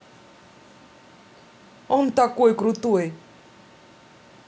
он такой крутой